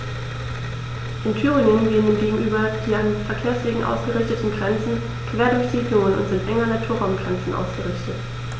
In Thüringen gehen dem gegenüber die an Verkehrswegen ausgerichteten Grenzen quer durch Siedlungen und sind eng an Naturraumgrenzen ausgerichtet.